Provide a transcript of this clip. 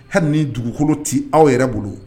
Hali ni dugukolo tɛ aw yɛrɛ bolo